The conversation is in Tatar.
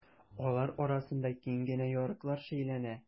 Алар арасында киң генә ярыклар шәйләнә.